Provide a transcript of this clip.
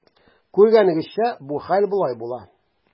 Күргәнегезчә, бу хәл болай була.